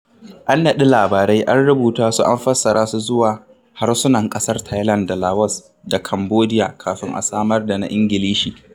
An naɗi labarai, an rubuta su an fassara su zuwa harsunan ƙasar Thailand da Laos da Cambodiya kafin a samar da na Ingilishi.